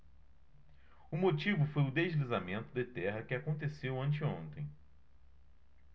o motivo foi o deslizamento de terra que aconteceu anteontem